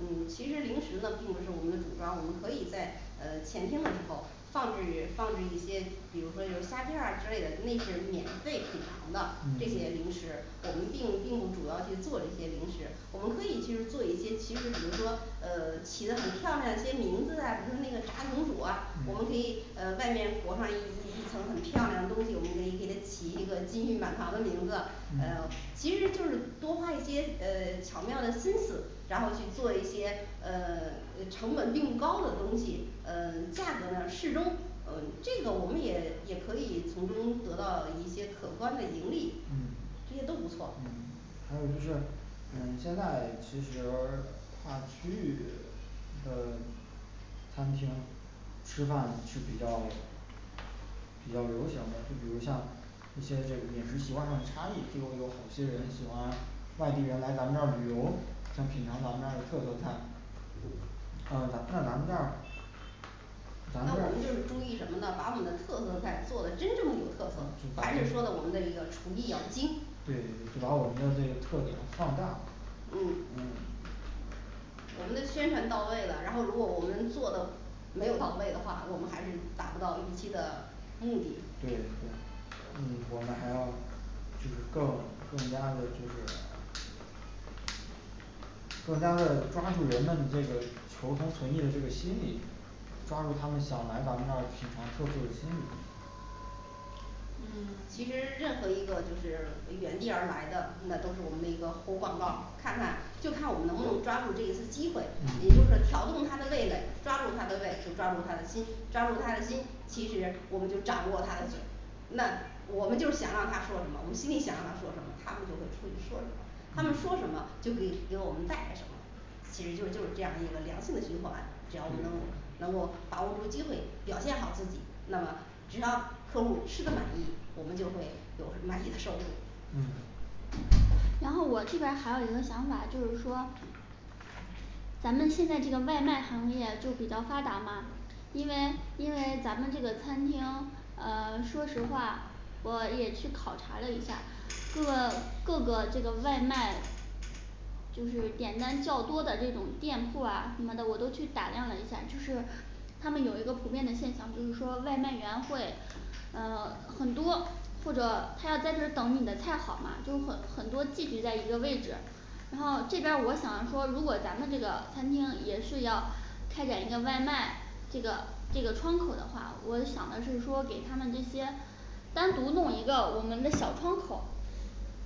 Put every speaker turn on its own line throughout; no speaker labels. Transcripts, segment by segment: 嗯 其实零食呢并不是我们的主抓，我们可以在嗯 前厅里头放置放置一些比如说有虾片儿之类的那些是免费品尝的这些零
嗯
食，我们并并不主要去做这些零食我们可以就是做一些其实比如说呃 起的很漂亮一些名字啊，就是那个炸红薯啊，我们可以
嗯
嗯外面裹上一一层很漂亮的东西，我们可以给它起一个金玉满堂的名字，
嗯
嗯其实就是多花一些呃 巧妙的心思然后去做一些呃 嗯成本并不高的东西，嗯 价格呢适中，嗯这个我们也也可以从中得到一些可观的盈利
嗯，
这些都不错
嗯还有就是嗯现在其实 跨区域的餐厅吃饭是比较比较流行的，就比如像一些这个饮食习惯上的差异，就有好些人喜欢外地人来咱们这儿旅游，想品尝到咱们这儿的特色菜呃咱那咱们这儿
那
咱们这
我们就是注意
儿
什么呢，把我们的特色菜做的真正有
就
特色
就咱
还是说的我们的
们
一个厨艺要精，
对就把我们的这特点放大嗯
嗯我们的宣传到位了然后如果我们做的没有到位的话我们还是达不到预期的目的
对对嗯 我们还要就是更更加的就是 更加的抓住人们这个求同存异的这个心理抓住他们想来咱们这儿品尝特色的心理
嗯 其实任何一个就是远地而来的，那都是我们的一个活广告儿，看看就看我们能不能抓住这一次机会，也就
嗯
是挑动他的味蕾，抓住他的胃，就抓住他的心，抓住他的心，其实我们就掌握他的嘴那我们就想让他说什么我们心里想让他说什么他们就会出去说什么他们说什
嗯
么就给给我们带来什么其实就是就这样儿一个良性的循环，只要我们能
对
能够把握住机会表现好自己，那么只要客户吃的满意，我们就会有满意的收入。
嗯
然后我这边儿还有一个想法就是说咱们现在这个外卖行业就比较发达嘛因为因为咱们这个餐厅嗯 说实话我也去考察了一下儿，各 各个这个外卖就是点单较多的这种店铺啊什么的我都去打量了一下儿就是他们有一个普遍的现象就是说外卖员会呃 很多或者他要在这儿等你的菜好嘛就很很多聚集在一个位置然后这边儿我想着说如果咱们这个餐厅也是要开展一个外卖这个这个窗口儿的话我想着就是说给他们这些单独弄一个我们的小窗口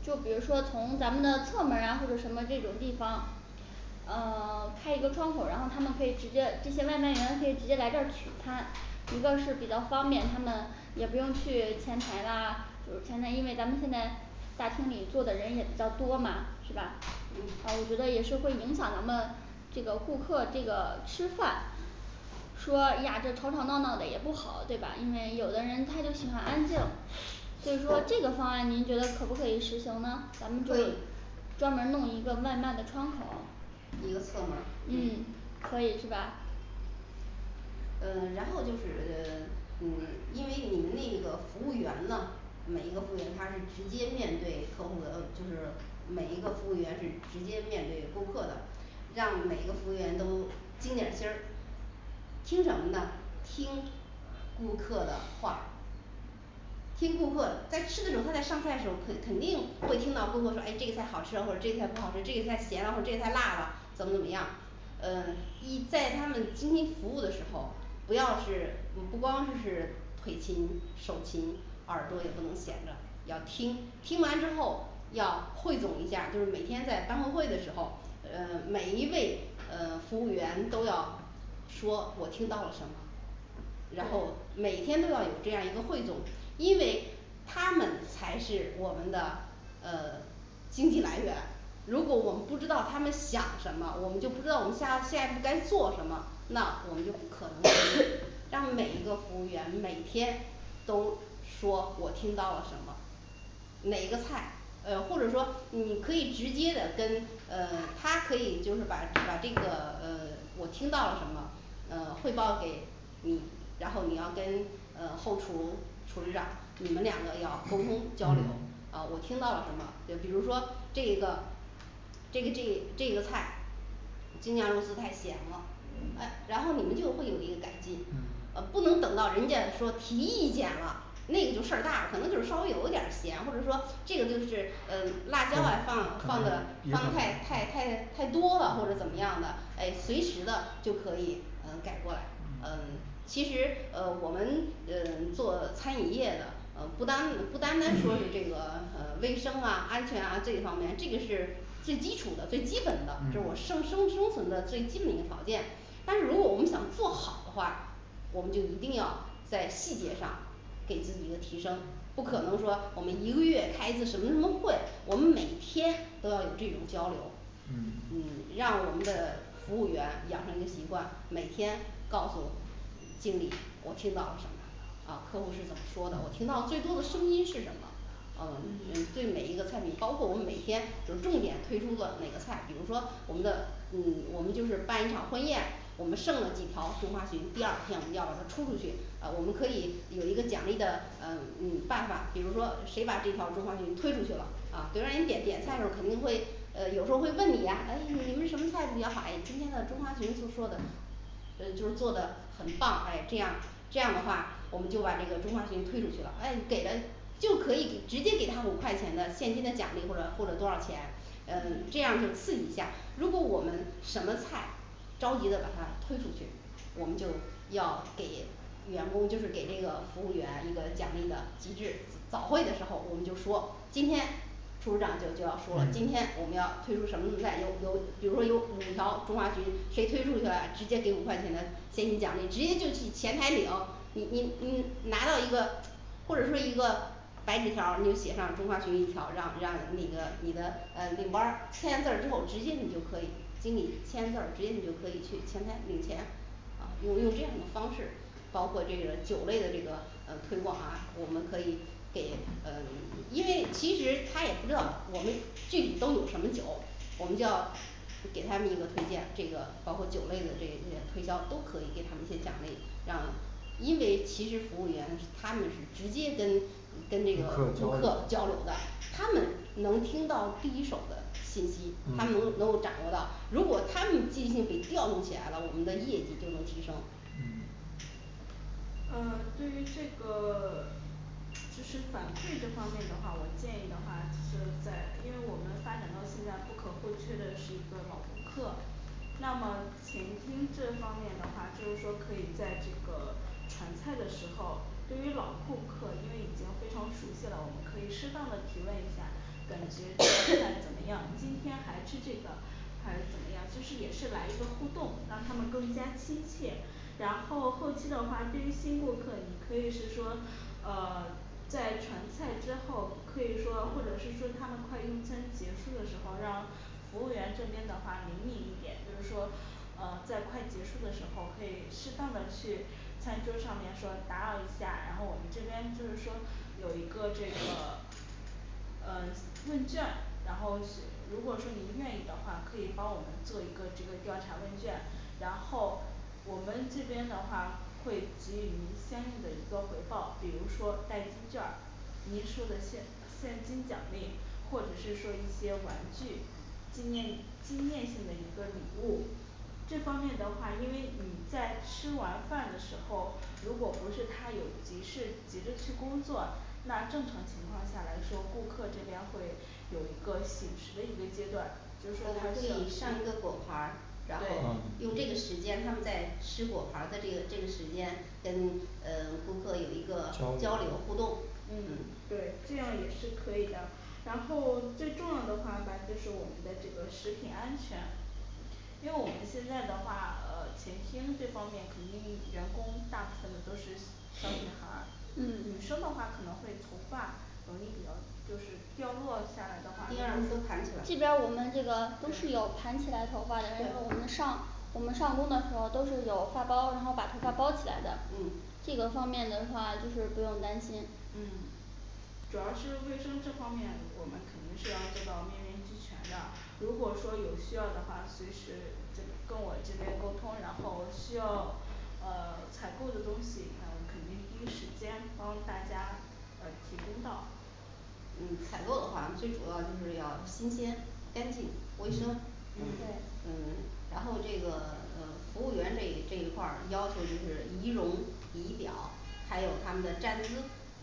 就比如说从咱们的侧门儿啊或者什么这种地方呃 开一个窗口儿然后他们可以直接这些外卖员可以直接来这儿取餐一个是比较方便，他们也不用去前台啦，就是前台因为咱们现在大厅里坐的人也比较多嘛是吧？啊
嗯
我觉得也是会影响咱们这个顾客这个吃饭说哎呀这吵吵闹闹的也不好对吧？因为有的人他就喜欢安静所以说这个方案您觉得可不可以实行呢咱们就
可以
专门儿弄一个外卖的窗口儿
一个侧门儿嗯
嗯可以是吧
嗯然后就是嗯 你因为你们那个服务员呢每一个服务员他是直接面对客户的，呃就是每一个服务员是直接面对顾客的让每一个服务员都精点儿心儿听什么呢？听顾客的话听顾客在吃的时候，他在上菜的时候肯肯定会听到顾客说诶这个菜好吃啊或者这个菜不好吃，这个菜咸了，或这个菜辣了怎么怎么样？嗯 一在他们精心服务的时候，不要是嗯不光是腿勤手勤，耳朵也不能闲着，要听，听完之后要汇总一下儿，就是每天在班后会的时候，嗯每一位嗯 服务员都要说我听到了什么然后每天都要有这样一个汇总因为他们才是我们的呃 经济来源如果我们不知道他们想什么，我们就不知道我们下下一步该做什么那我们就可能就是 让每一个服务员每天都说我听到了什么哪一个菜，呃或者说你可以直接的跟嗯 他可以就是把把这个嗯 我听到了什么？嗯汇报给你然后你要跟嗯后厨厨师长你们两个要沟通交流
嗯
哦我听到了什么，就比如说这一个这个这这个菜京酱肉丝太咸了，诶然后你们就会有一个改进，嗯
嗯
不能等到人家说提意见了那就事儿大了可能就是稍微有点儿咸，或者说这个就是嗯
对嗯
辣椒啊放放的
有可
放的太太太
能
太太多了或者怎么样
嗯
的，诶随时的就可以嗯改过来。嗯
嗯
其实呃我们嗯做餐饮业的呃不单嗯不单单说是这个嗯卫生啊安全啊这方面，这个是最基础的，最基本的就是我生
嗯
生生存的最基本的条件但是如果我们想做好的话我们就一定要在细节上给自己一个提升不可能说我们一个月开一次什么什么会我们每天都要有这种交流嗯
嗯
让我们的服务员养成一个习惯，每天告诉我经理我听到了什么，啊客户是怎么说的，我听到
嗯
最多的声音是什么呃
嗯
嗯对 每一个菜品，包括我们每天就是重点推出了哪个菜，比如说我们的嗯我们就是办一场婚宴我们剩了几条中华鲟，第二天我们要把它出去呃我们可以有一个奖励的呃嗯办法儿比如说谁把这条中华鲟推出去了啊就让你点点菜的时候肯定会呃有时候会问你呀诶你们什么菜比较好诶今天的中华鲟不错的嗯他们做的很棒诶这样儿这样儿的话我们就把这个中华鲟推出去了诶给他就可以直接给他五块钱的现金的奖励或者或者多少钱嗯这
嗯
样儿去刺激一下如果我们什么菜着急的把它推出去我们就要给员工就是给这个服务员一个奖励的机制早会的时候我们就说今天厨师长就就要说了今
嗯
天我们要推出什么什么菜，有有比如说有五条中华鲟谁推出去了，直接给五块钱的现金奖励，直接就去前台领你你你拿到一个或者说一个白纸条儿你就写上中华鲟一条让让你的你的嗯领班儿签完字儿之后直接你就可以经理签完字儿直接你就可以去前台领钱啊用用这样的方式包括这个酒类的这个嗯推广啊我们可以给嗯 因为其实他也不知道我们具体都有什么酒我们就要给他们一个推荐这个包括酒类的这一些推销都可以给他们一些奖励让因为其实服务员他们是直接跟跟那个顾
顾
客
客
交
交流
流的他们能听到第一手的信息他们能够能
嗯
够掌握到如果他们积极性给调动起来了我们的业绩就能提升
嗯
呃对于这个 就是反馈这方面的话我建议的话就是在因为我们发展到现在不可或缺的是一个老顾客那么前厅这方面的话就是说可以在这个传菜的时候对于老顾客因为已经非常熟悉了我们可以适当的提问一下感觉这道菜怎么 样今天还吃这个还是怎么样就是也是来一个互动让他们更加亲切然后后期的话对于新顾客你可以是说呃 在传菜之后，可以说或者是说他们快用餐结束的时候，让服务员这边的话灵敏一点就是说呃在快结束的时候可以适当的去餐桌上面说打扰一下，然后我们这边就是说有一个这个呃问卷然后是如果说您愿意的话可以帮我们做一个这个调查问卷然后我们这边的话会给予您相应的一个回报比如说代金劵儿您说的现现金奖励或者是说一些玩具纪念纪念性的一个礼物这方面的话因为你在吃完饭的时候如果不是他有急事急着去工作那正常情况下来说顾客这边会有一个醒食的一个阶段就说
我
他
们可
这一
以
去
上一个果盘儿然后
对
嗯
用这个时间他们在吃果盘儿的这个这个时间跟嗯顾客有一个
交
交
流
流互动
嗯 对这样也是可以的然后 最重要的话吧就是我们的这个食品安全因为我们现在的话呃前厅这方面平均员工大部分呢都是小女孩儿嗯女生的话可能会头发容易比较就是掉落下来的话，
一
如
定要让她
果
们
说
盘起来
这边儿我们这个都是
对
有盘起来头发的，然后我
对
对
们上我们上工的时候儿都是有发包儿，然后把头发包起来的
嗯
这个方面的话就是不用担心
嗯主要是卫生这方面我们肯定要做到面面俱全的如果说有需要的话随时这个跟我这边沟通然后需要呃采购的东西那我肯定第一时间帮大家呃提供到
嗯采购的话最主要的就是要新鲜、干净、卫生
嗯
嗯
对
嗯然后这个嗯服务员这这一块儿要求就是仪容仪表还有他们的站姿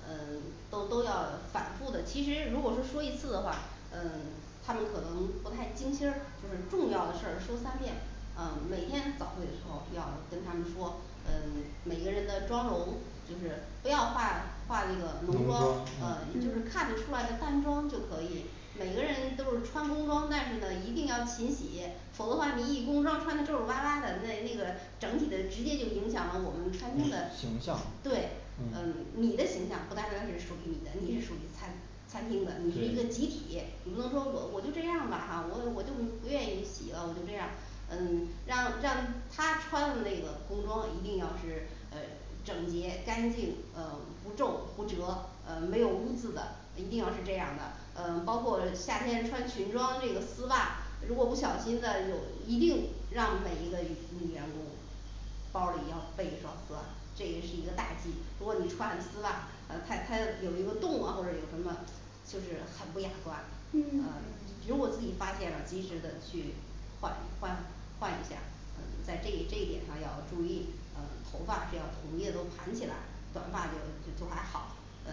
嗯 都都要的反复的其实如果说说一次的话嗯 他们可能不太进心儿就是重要的事儿说三遍嗯每天早会的时候要跟他们说嗯 每个人的妆容就是不要化化那个浓
浓妆
妆嗯
嗯
也就是
嗯
看不出来的淡妆就可以每个人都是穿工装但是呢一定要勤洗否则话你一工装穿的皱皱巴巴的那那个整体的直接就影响了我们餐厅的
形象
对嗯
嗯
你的形象不单单是属于你的你是属于餐餐厅的你是一个集
对
体你不能说我我就这样儿吧哈我我就不愿意洗了我就这样儿嗯让让他穿的那个工装一定要是呃整洁干净嗯不皱不折，嗯没有污渍的，一定要是这样儿的，嗯包括夏天穿裙装，这个丝袜，如果不小心的有一定让每一个女员工包儿里要备一双丝袜这也是一个大忌如果你穿的丝袜呃它它有一个洞啊或者有什么就是很不雅观，嗯
嗯
如
嗯
果自己发现了及时的去换换换一下嗯在这一这一点上要注意嗯头发是要统一的都盘起来短发就就都还好嗯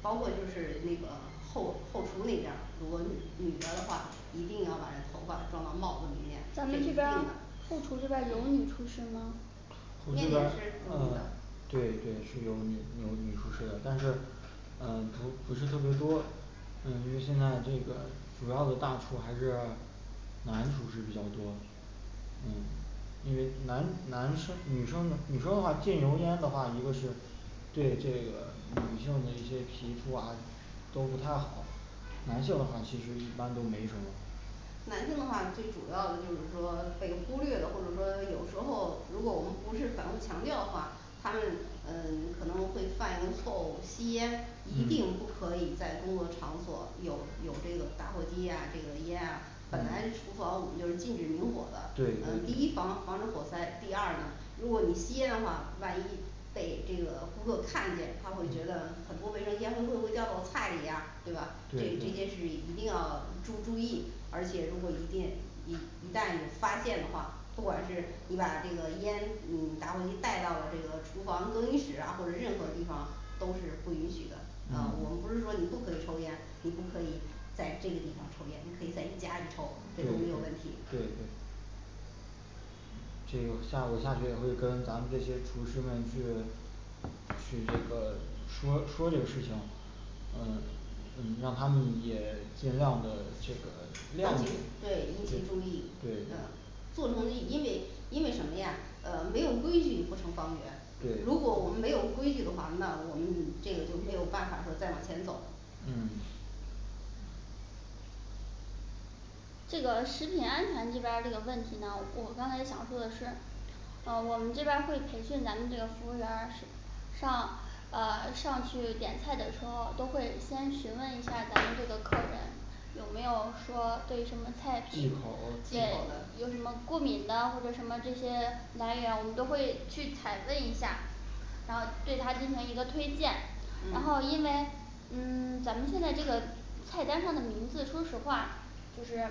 包括就是那个后后厨那边儿如果女女的的话一定要把头发装到帽子里面这
咱
是
们
一
这
定
边儿
的
后厨这边儿有女厨师吗？
我
面
们这边
点
儿
师有女
嗯
的
对对是有女有女厨师的但是呃不不是特别多嗯因为现在这个主要的大厨还是男厨师比较多嗯因为男男生女生的女生的话进油烟的话一个是对这个女性的一些皮肤啊都不太好男性的话其实一般都没什么
男性的话最主要的就是说被忽略了，或者说有时候如果我们不是反复强调的话他们呃 可能会犯一个错误吸烟一定不
嗯
可以在工作场所有有这个打火机啊这个烟啊本来这厨
嗯
房我们就是禁止明火的
对，
呃第
对
一
对
防防止火灾。第二呢，如果你吸烟的话，万一被这个顾客看见，他会觉得
嗯
很多的就是烟灰会不会掉到我菜里啊对吧？这
对
这些
对
是一定要注注意而且如果一定一一旦发现的话，不管是你把这个烟你打火机带到了这个厨房更衣室啊或者任何地方都是不允许的，啊我们
嗯
不是说你不可以抽烟，你不可以在这个地方抽烟，你可以在你家里抽，这都没
对
有问
对
题，
对对这个下我下去也会跟咱们这些厨师们去去这个说说这个事情嗯嗯让他们也尽量的这个谅解
对
对
密切
对
注意
对
做生意因为因为什么呀呃没有规矩不成方圆如果
对
我们没有规矩的话那我们这个就没有办法说再往前走
嗯
这个食品安全这边儿这个问题呢我刚才想说的是嗯我们这边儿会培训咱们这个服务员儿是上呃上去点菜的时候都会先询问一下咱们这个客人有没有说对什么菜
忌
品
口儿，
忌
对
口
有什
的
么过敏的或者什么这些来源，我们都会去采问一下然后对他进行一个推荐，然后因
嗯
为嗯 咱们现在这个菜单上的名字说实话就是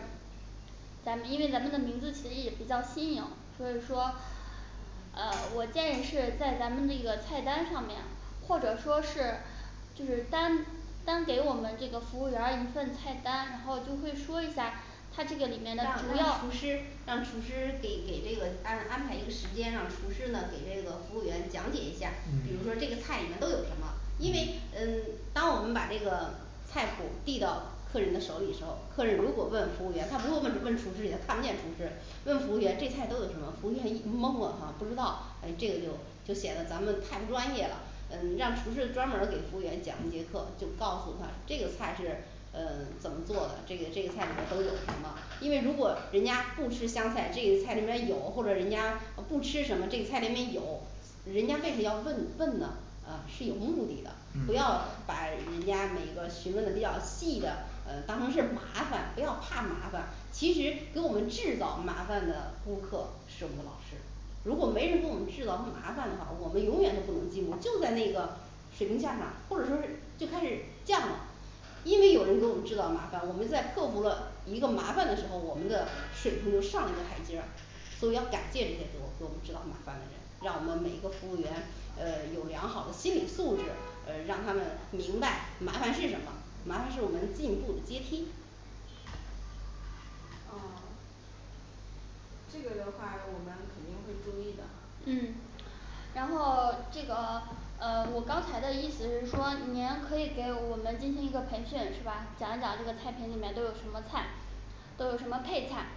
咱们因为咱们的名字其实也比较新颖所以说嗯我建议是在咱们这个菜单上面，或者说是就是单单给我们这个服务员儿一份菜单，然后就会说一下儿他这个里
让
面的主
让
要，
厨师让厨师给给这个安安排一个时间，让厨师呢给这个服务员讲解一下，比如说
嗯
这个菜里面都有什么因为
嗯
嗯当我们把这个菜谱递到客人的手里时候，客人如果问服务员他不会问问厨师也看不见厨师问服务员这菜都有什么服务员，一蒙了哈不知道，诶这个就就显得咱们太不专业了嗯让厨师专门儿给服务员讲一节课，就告诉他这个菜是呃怎么做的这个这个菜里都有什么，因为如果人家不吃香菜这个菜里面有，或者人家不吃什么这个菜里面有人家为什么要问问呢呃是有目的的，
嗯
不要把人家哪个询问的比较细的呃当成是麻烦，不要怕麻烦，其实给我们制造麻烦的顾客是我们老师，如果没人跟我们制造麻烦的话，我们永远都不能进入就在那个水平下上或者说是就开始降了。因为有人给我们制造麻烦，我们在克服了一个麻烦的时候，我们的水平就上一个台阶儿，所以要感谢这些给我们给我们制造麻烦的人，让我们每个服务员呃有良好的心理素质，呃让他们明白麻烦是什么，麻烦是我们进步的阶梯
嗯 这个的话我们肯定会注意的。
嗯然后 这个嗯我刚才的意思是说您可以给我们进行一个培训是吧？讲一讲这个菜品里面都有什么菜，都有什么配菜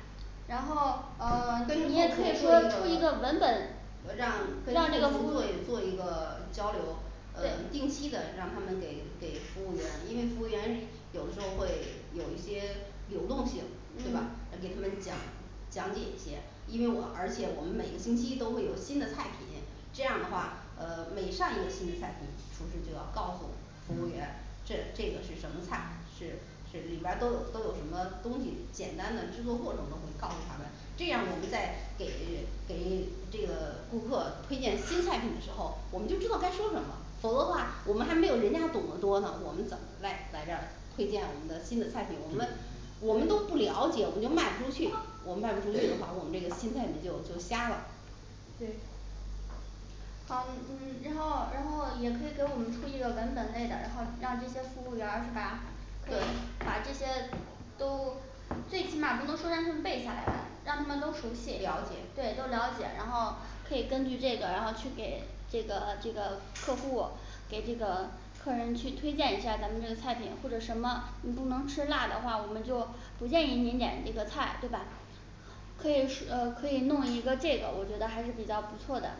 然后嗯这
对
您也
后厨
可以说出
说一
一
个
个文本
呃让
让这
跟
个
后
服
厨做
务
一做一个交流呃
对
定期的让他们给给服务员，因为服务员有的时候会有一些流动性，对吧？
嗯
要给他们讲讲解一些，因为我而且我们每个星期都会有新的菜品这样儿的话呃每上一个新的菜品厨师就要告诉服务员
嗯
这这个是什么菜，是是里边儿都有都有什么东西，简单的制作过程都会告诉他们这样儿我们在给给这个顾客推荐新菜品的时候，我们就知道该说什么否则的话我们还没有人家懂得多呢，我们怎么来来这儿推荐我们的新的菜品我们
对
我们都不了解，我们就卖不出去，我卖不出去的话，我们这个新菜品就就瞎了。
对好，嗯然后然后也可以给我们出一个文本类的，然后让这些服务员儿是吧？对
对。
把这些都最起码不能说让他们背下来吧让他们都熟悉
了解，
对都了解，然后可以根据然后去给这个这个客户给这个客人去推荐一下咱们这个菜品或者什么，你不能吃辣的话，我们就不建议您点这个菜对吧？可以是呃可以弄一个这个，我觉得还是比较不错的。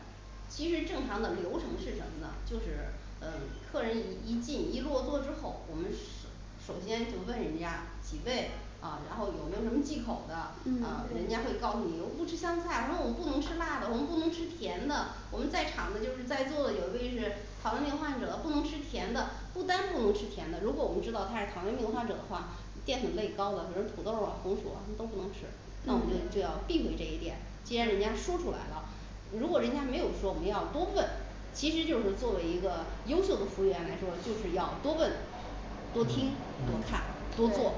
其实正常的流程是什么呢？就是呃客人一一进一落座之后，我们是首先就问人家几位，啊然后有没有什么忌口的嗯
嗯
人家会
对
告诉你我不吃香菜，我说我们不能吃辣的，我们不能吃甜的，我们在场的就是在座的有一位是糖尿病患者不能吃甜的，不单不能吃甜的，如果我们知道他是糖尿病患者的话淀粉类高的，比如说土豆红薯啊这都不能吃那我们就
嗯
需要避讳这一点&对&，既然人家说出来了如果人家没有说我们要多问其实就是作为一个优秀的服务员来说，就是要多问、多
嗯
听、多看
嗯
多做。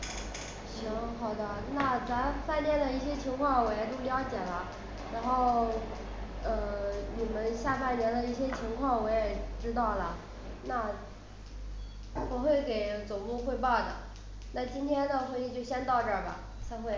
行
行好
嗯
的，那咱饭店的一些情况我也都了解了。然后 呃 你们下半年的一些情况我也知道了那我会给总部汇报的那今天的会议就先到这儿吧，散会。